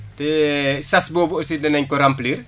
te sas boobu aussi danañ ko remplir